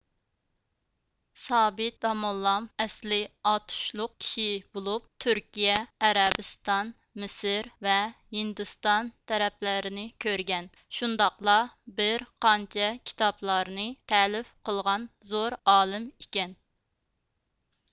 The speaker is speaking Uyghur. سابىت داموللام ئەسلى ئاتۇشلۇق كىشى بولۇپ تۈركىيە ئەرەبىستان مىسىر ۋە ھىندىستان تەرەپلەرنى كۆرگەن شۇنداقلا بىر قانچە كىتابلارنى تەلىف قىلغان زور ئالىم ئىكەن